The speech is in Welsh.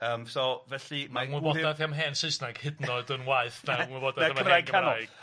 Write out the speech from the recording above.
Yym so, felly, mae'n ... Ma'n gwybodaeth am hen Saesneg hyd yn oed yn waeth na 'yng ngwybodaeth am hen Gymraeg.